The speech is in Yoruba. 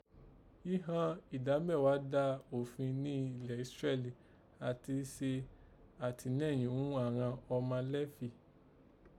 Híhan ìdámẹ́ghàá dà òfin ni Ísírẹ́lì àti se àtìnẹ́yìn ghún àghan ọma Léfì